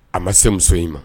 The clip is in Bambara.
A ma se muso in ma